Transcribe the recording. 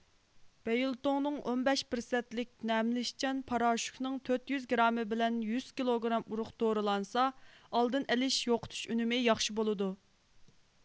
بەيلتوڭنىڭ ئون بەش پىرسەنتلىك نەملىنىشچان پاراشوكنىڭ تۆت يۈز گرامى بىلەن يۈز كىلوگرام ئۇرۇق دورىلانسا ئالدىنى ئېلىش يوقىتىش ئۈنۈمى ياخشى بولىدۇ